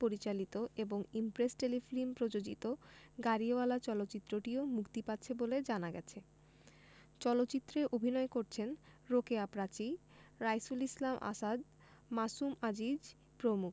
পরিচালিত এবং ইমপ্রেস টেলিফিল্ম প্রযোজিত গাড়িওয়ালা চলচ্চিত্রটিও মুক্তি পাচ্ছে বলে জানা গেছে চলচ্চিত্রে অভিনয় করেছেন রোকেয়া প্রাচী রাইসুল ইসলাম আসাদ মাসুম আজিজ প্রমুখ